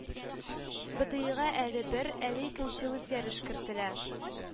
БэДэИга әле бер, әле икенче үзгәреш кертелә